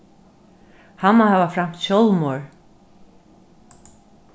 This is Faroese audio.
hann má hava framt sjálvmorð